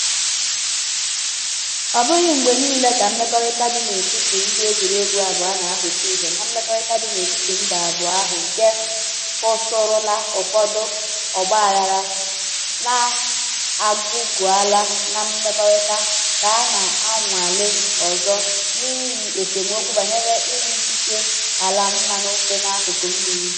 Ọ bụghị mgbe niile ka mmekọrịta dị n'etiti ndị egwuregwu abụọ na-apụta ihe na mmekọrịta dị n'etiti mba abụọ ahụ nke hụtụrụla ụfọdụ ọgbaaghara n'aguguala na mmekọrịta ka a na-anwale ọzọ n'ihi esemokwu banyere inwe ikike ala mmanụ dị n'akụkụ mmiri.